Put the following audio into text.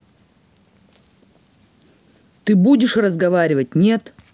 ты будешь разговаривать нет